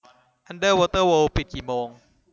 อันเดอร์วอเตอร์เวิล์ดปิดกี่โมง